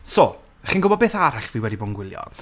so, chi'n gwbod beth arall fi wedi bod yn gwylio?